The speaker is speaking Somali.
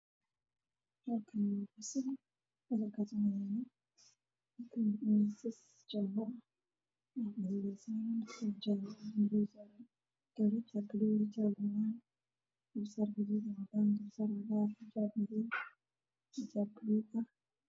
Meeshaan waa meel fasal ah waxaa ku jira gabdhooyin badan oo wataanka la xijaabo buluug caddeys iyo kala rab badan waxayna fiirinayaan macalinka